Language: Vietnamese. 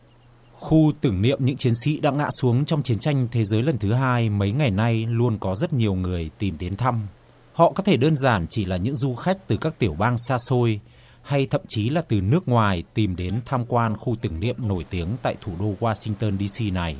khu tưởng niệm những chiến sĩ đã ngã xuống trong chiến tranh thế giới lần thứ hai mấy ngày nay luôn có rất nhiều người tìm đến thăm họ có thể đơn giản chỉ là những du khách từ các tiểu bang xa xôi hay thậm chí là từ nước ngoài tìm đến tham quan khu tưởng niệm nổi tiếng tại thủ đô goa sing tơn đi si này